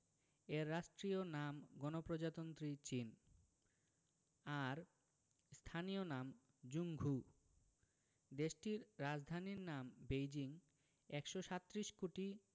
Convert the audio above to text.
এর রাষ্ট্রীয় নাম গণপ্রজাতন্ত্রী চীন আর স্থানীয় নাম ঝুংঘু দেশটির রাজধানীর নাম বেইজিং ১৩৭ কোটি